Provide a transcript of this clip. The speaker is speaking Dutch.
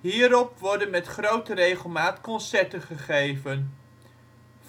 Hierop worden met grote regelmaat concerten gegeven.